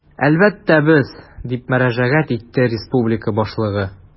Әлбәттә, без, - дип мөрәҗәгать итте республика башлыгы.